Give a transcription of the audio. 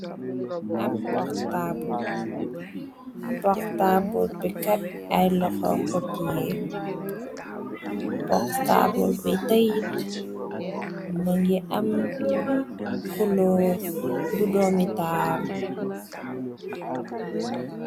ab poktabl, poktabl bi hep ay loho kotiyee, poktaabl bi teyit ma ngi am kulóor bu doomitaal.